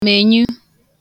mènyu